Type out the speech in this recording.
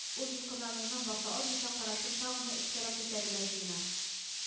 Ул дулкынлануына баса алмыйча карашын тагын да өскәрәк күтәрергә җыена